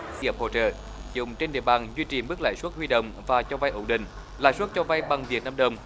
hiệp hỗ trợ dùng trên địa bàn duy trì mức lãi suất huy động và cho vay ổn định lãi suất cho vay bằng việt nam đồng